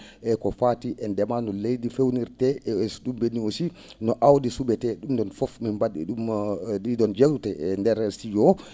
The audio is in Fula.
e ko faati e ndema no leydi fewnirtee e so ?um ?ennii aussi no aawdi su?etee ?um ?oon fof min mba?ii ?um ?ii ?oon jeewte e ndeer studio o